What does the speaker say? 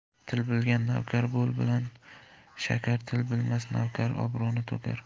til bilgan navkar bol bilan shakar til bilmas navkar obro'ni to'kar